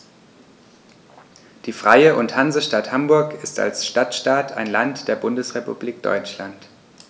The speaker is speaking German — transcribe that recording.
Die Freie und Hansestadt Hamburg ist als Stadtstaat ein Land der Bundesrepublik Deutschland.